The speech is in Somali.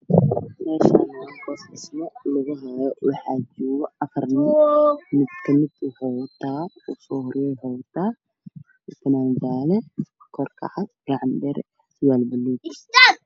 Meeshaan waa boos dhismo lagu haayo waxaa jooga afar nin mid kamid ah waxa uu wataa surwaal madow ah iyo funaanad gacma dheere ah oo cadaan ah